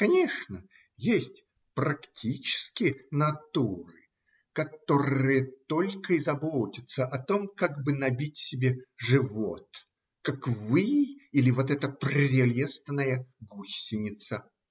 Конечно, есть практические натуры, которые только и заботятся о том, как бы набить себе живот, как вы или вот эта прелестная гусеница.